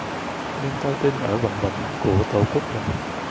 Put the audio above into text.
nhưng tôi tin ở vận mệnh của tổ quốc mình